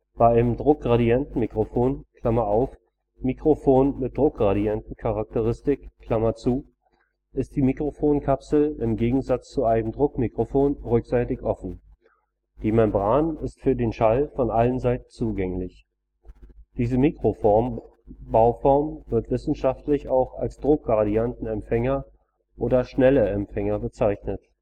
Bei einem Druckgradientenmikrofon (Mikrofon mit Druckgradientencharakteristik) ist die Mikrofonkapsel im Gegensatz zu einem Druckmikrofon rückseitig offen – die Membran ist für den Schall von allen Seiten zugänglich. Diese Mikrofonbauform wird wissenschaftlich auch als Druckgradientenempfänger oder Schnelle-Empfänger bezeichnet